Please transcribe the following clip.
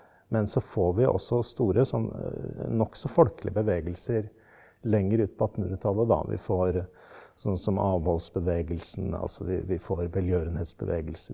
men så får vi også store sånn nokså folkelige bevegelser lenger ut på attenhundretallet og da vi får sånn som avholdsbevegelsen altså vi vi får velgjørenhetsbevegelsen.